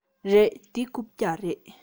རེད འདི རྐུབ བཀྱག རེད